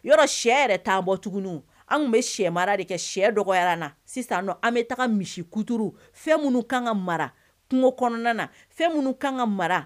Yɔrɔ sɛ yɛrɛ taa bɔ tugunni wu. An kun bɛ sɛ mara de kɛ sɛ dɔgɔyara an na. Sisan an bɛ taga misi kutuuru fɛn minnu kan ka mara kungo kɔnɔna na fɛn minnu kan ka mara